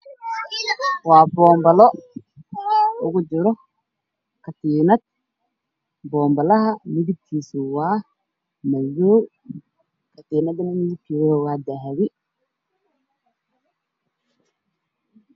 Waa boonbalo waxaa kujiro katiin. Boonbaluhu waa madow katiinaduna waa dahabi.